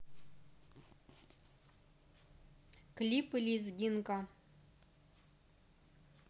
клипы лезгинка